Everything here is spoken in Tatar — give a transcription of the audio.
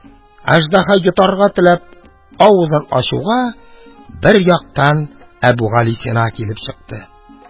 Аҗдаһа, йотарга теләп, авызын ачуга, бер яктан Әбүгалисина килеп чыкты.